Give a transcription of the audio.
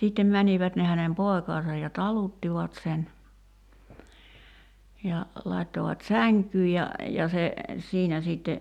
sitten menivät ne hänen poikansa ja taluttivat sen ja laittoivat sänkyyn ja ja se siinä sitten